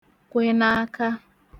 kwe n'aka